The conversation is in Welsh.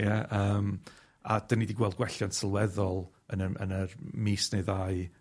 Ie yym a 'dan ni wedi gweld gwelliant sylweddol yn yym yn yr mis neu ddau